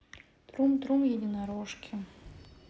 трум трум единорожки